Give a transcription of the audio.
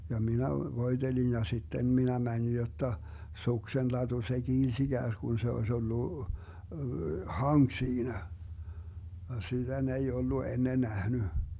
ja minä voitelin ja sitten minä menin jotta suksenlatu se kiilsi ikään kuin se olisi ollut hanki siinä ja sitä ne ei ollut ennen nähnyt